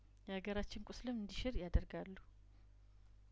የሀገራችን ቁስልም እንዲሽር ያደርጋሉ